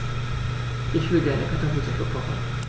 Ich will gerne Kartoffelsuppe kochen.